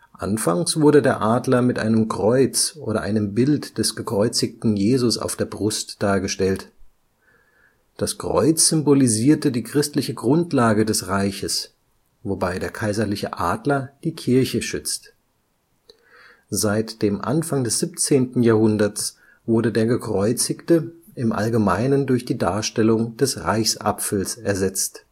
Anfangs wurde der Adler mit einem Kreuz oder einem Bild des gekreuzigten Jesus auf der Brust dargestellt. Das Kreuz symbolisierte die christliche Grundlage des Reiches, wobei der kaiserliche Adler die Kirche schützt. Seit dem Anfang des 17. Jahrhunderts wurde der Gekreuzigte im Allgemeinen durch die Darstellung des Reichsapfels ersetzt